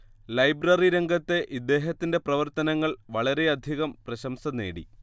library രംഗത്തെ ഇദ്ദേഹത്തിന്റെ പ്രവർത്തനങ്ങൾ വളരെയധികം പ്രശംസ നേടി